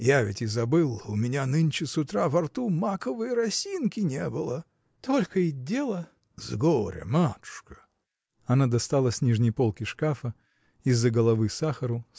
– Я ведь и забыл: у меня нынче с утра во рту маковой росинки не было. – Только и дела! – С горя, матушка. Она достала с нижней полки шкафа из-за головы сахару